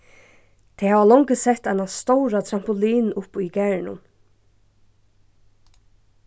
tey hava longu sett eina stóra trampolin upp í garðinum